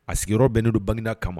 A sigiyɔrɔ bɛnidu bangeg kama